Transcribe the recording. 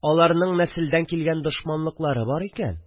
Аларның нәселдән килгән дошманлыклары бар икән